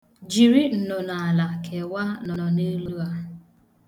Jiri nnọnaala kewaa nnọleelu a.